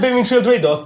...be wy'n trio dweud tho